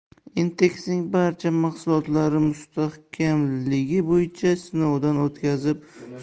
intex'ning barcha mahsulotlari mustahkamligi bo'yicha sinovdan o'tkazilib